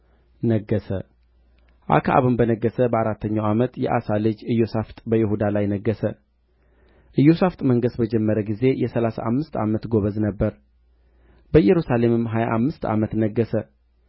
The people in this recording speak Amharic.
ነገሠ አክዓብም በነገሠ በአራተኛው ዓመት የአሳ ልጅ ኢዮሣፍጥ በይሁዳ ላይ ነገሠ ኢዮሣፍጥ መንገሥ በጀመረ ጊዜ የሠላሳ አምስት ዓመት ጎበዝ ነበረ በኢየሩሳሌምም ሀያ አምስት ዓመት ነገሠ